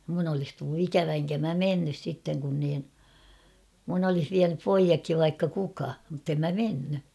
minun olisi tullut ikävä enkä minä mennyt sitten kun niin minun olisi vienyt pojatkin vaikka kuka mutta en minä mennyt